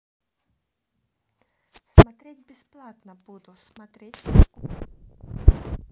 смотреть бесплатно буду смотреть приколы